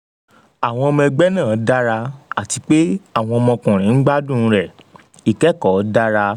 Awọn ọmọ ẹgbẹ dara ati pe awọn ọmọkunrin n gbadun rẹ; ikẹkọọ dara.aÀwọn ọmọ ẹgbẹ́ náà dára àti pe àwọn ọmọkùnrin ń gbádùn rẹ̀; ìkẹ́kọ̀ọ́ dára.